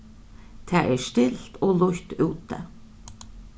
tað er stilt og lýtt úti